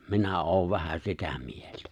minä olen vähän sitä mieltä